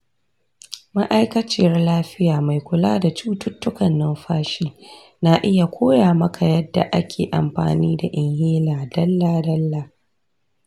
ma’aikaciyar lafiya mai kula da cututtukan numfashi na iya koya maka yadda ake amfani da inhaler dalla-dalla.